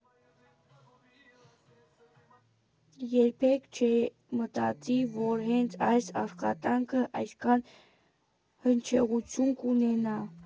Երբեք չէր մտածի, որ հենց այս աշխատանքն այսքան հնչեղություն կունենա։